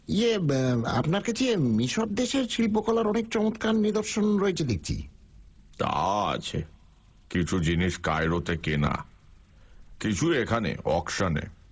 ইয়ে আপনার কাছে মিশর দেশের শিল্পকলার অনেক চমৎকার নিদর্শন রয়েছে দেখছি তা আছে কিছু জিনিস কায়রোতে কেনা কিছু এখানে অকশনে